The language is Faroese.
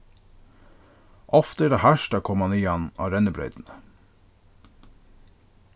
ofta er tað hart at koma niðan á rennibreytina